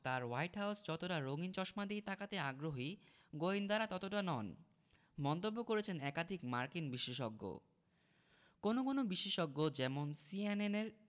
তাঁর White House যতটা রঙিন চশমা দিয়ে তাকাতে আগ্রহী গোয়েন্দারা ততটা নন মন্তব্য করেছেন একাধিক মার্কিন বিশেষজ্ঞ কোনো কোনো বিশেষজ্ঞ যেমন সিএনএনের